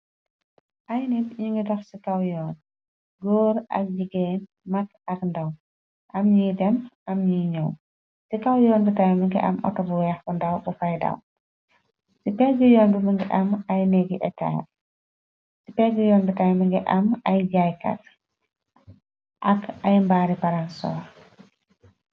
Ay nitt ñi ngi dax ci kaw yoon , góor ak jigéen, mag ak ndaw. Am ñiy dem am ñiy ñëw, ci kaw yoon bi tay mi ngi am autobu weexu ndaw bu fay daw. Ci pegg yoon bu mi ngi am ay néggi eta, ci pegg yoon bi tay mingi am ay jaaykat ak ay mbaari paranso.